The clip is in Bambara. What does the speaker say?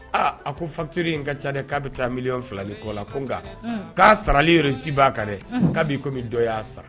Aa a ko fatiriri in ka ca dɛ k'a bɛ taa miliyɔn fila ni kɔ la ko nka k'a sarali yɔrɔ si b'a ka dɛ k' bi kɔmi dɔ y'a sara